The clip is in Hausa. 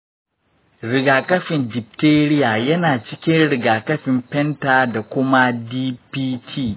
rigakafin diphtheria yana cikin rigakafin penta da kuma dpt.